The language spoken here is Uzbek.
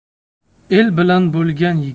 el bilan bo'lgan